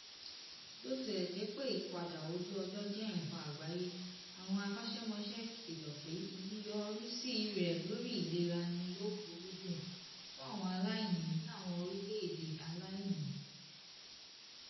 Bí ó tilẹ̀ jẹ́ pé ìyípadà ojú ọjọ́ jẹ́ nǹkan àgbáyé, awọn akọ́ṣẹ́mọṣẹ́ kìlọ̀ pé ìyọrísí rẹ̀ lórí ìlera ni yóò burú jù fún àwọn aláìní ní àwọn orílẹ́ èdè aláìní.